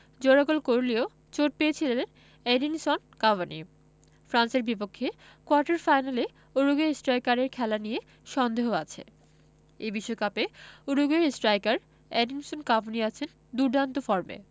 জোড়া গোল করলেও চোট পেয়েছিলেন এডিনসন কাভানি ফ্রান্সের বিপক্ষে কোয়ার্টার ফাইনালে উরুগুয়ে স্ট্রাইকারের খেলা নিয়ে সন্দেহ আছে এই বিশ্বকাপে উরুগুয়ের স্ট্রাইকার এডিনসন কাভানি আছেন দুর্দান্ত ফর্মে